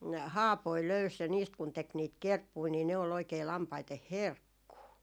haapoja löysi ja niistä kun teki niitä kerppuja niin ne oli oikein lampaiden herkkua